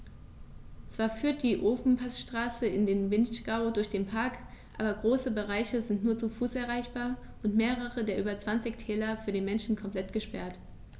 Zwar führt die Ofenpassstraße in den Vinschgau durch den Park, aber große Bereiche sind nur zu Fuß erreichbar und mehrere der über 20 Täler für den Menschen komplett gesperrt.